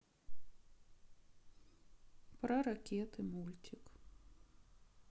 про ракеты мультик